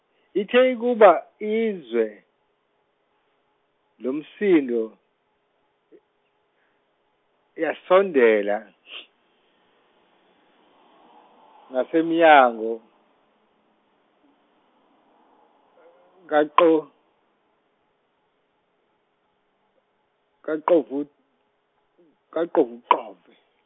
ithe ukuba izwe, lomsindo yasondela , ngasemnyango, kaQo- kaQove- kaQoveqove.